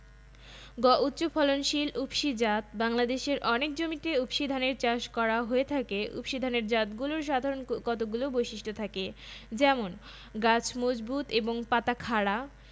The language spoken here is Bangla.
পরমাণু পরস্পরের সাথে রাসায়নিক বন্ধন এর মাধ্যমে যুক্ত থাকলে তাকে অণু বলে রাসায়নিক বন্ধন সম্পর্কে তোমরা পঞ্চম অধ্যায়ে বিস্তারিত জানবে দুটি অক্সিজেন পরমাণু পরস্পরের সাথে যুক্ত হয়ে অক্সিজেন অণু গঠিত হয়